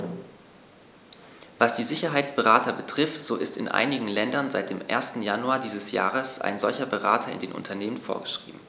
Was die Sicherheitsberater betrifft, so ist in einigen Ländern seit dem 1. Januar dieses Jahres ein solcher Berater in den Unternehmen vorgeschrieben.